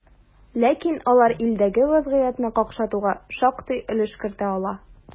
Ләкин алар илдәге вазгыятьне какшатуга шактый өлеш кертә ала.